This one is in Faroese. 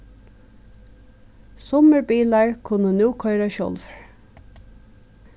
summir bilar kunnu nú koyra sjálvir